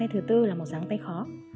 dáng tay thứ tư là một dáng tay khó